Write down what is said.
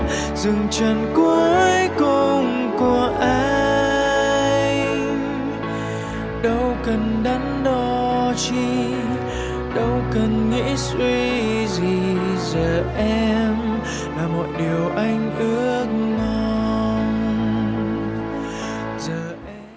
dừng chân cuối cùng của anh đâu cần đắn đo chi đâu cần nghĩ suy gì giờ em là một điều anh ước mong giờ anh